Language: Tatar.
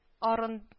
Арын